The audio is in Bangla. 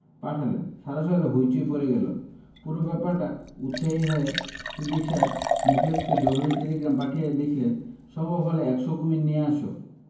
পাঠালেন সারা শহরে হৈ চৈ পড়ে গেল পুরো ব্যাপারটায় উৎসাহী হয়ে সিদ্দিক সাহেব মুখলেসকে জরুরী টেলিগ্রাম পাঠিয়ে লিখলেন সম্ভব হলে একশ কুমীর নিয়ে এসো